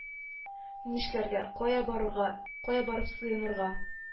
Нишләргә, кая барырга, кая барып сыенырга